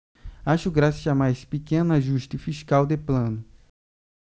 acho graça chamar esse pequeno ajuste fiscal de plano